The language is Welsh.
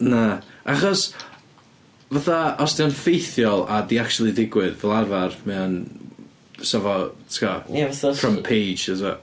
Na achos fatha os 'di o'n ffeithiol a 'di acshyli digwydd fel arfer, mae o'n... fysa fo'n tibod... Ie fatha. ...Front page fysa.